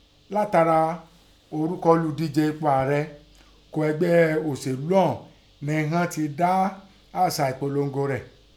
Látara ọrúkọ olùdíje ipò ààrẹ ún ẹgbẹ́ ọ̀ṣèlú ọ̀ún nẹ ghọ́n ti dá àsà ẹ̀polongo rẹ̀.